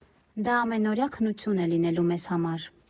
Դա ամենօրյա քննություն է լինելու մեզ համար։